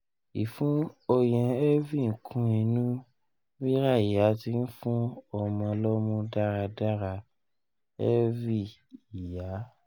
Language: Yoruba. Ifun ọyan Elvie n kun inu bira iya ti n fun ọmọ lọmu daradara (Elvie/Iya)